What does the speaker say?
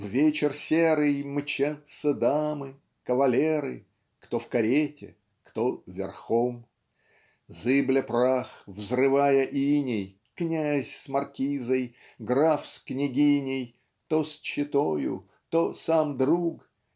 в вечер серый Мчатся дамы кавалеры Кто в карете, кто верхом. Зыбля прах взрывая иней Князь с маркизой граф с княгиней То четою то сам-друг.